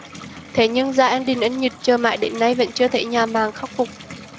thế nhưng gia đình anh nhựt chờ mãi đến nay vẫn chưa thấy nhà mạng khắc phục